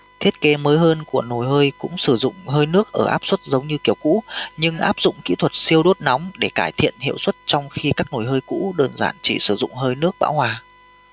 thiết kế mới hơn của nồi hơi cũng sử dụng hơi nước ở áp suất giống như kiểu cũ nhưng áp dụng kỹ thuật siêu đốt nóng để cải thiện hiệu suất trong khi các nồi hơi cũ đơn giản chỉ sử dụng hơi nước bảo hòa